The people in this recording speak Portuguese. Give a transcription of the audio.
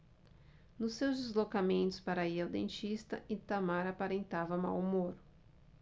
nos seus deslocamentos para ir ao dentista itamar aparentava mau humor